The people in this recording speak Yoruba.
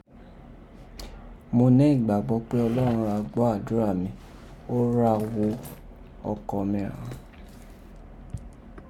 Mo nẹ́ igbagbọ pe Ọlọrun ra gbọ́ adura mi, o ra wá ghò ọkọ hàn.